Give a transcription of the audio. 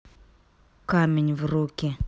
камень в руки